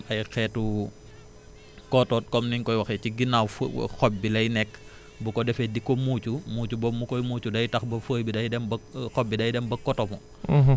maanaam ay xeetu kootoot comme niñ koy waxee ci ginnaaw fu xob bi lay nekk bu ko defee di ko muucu muucu boobu mu koy muucu day tax ba feuille bi day dem ba xob bi day dem ba kotomu